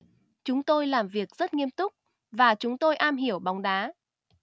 chúng tôi làm việc rất nghiêm túc và chúng tôi am hiểu bóng đá